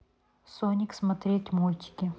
соник смотреть мультики